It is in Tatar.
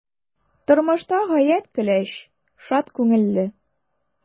Тормышта гаять көләч, шат күңелле.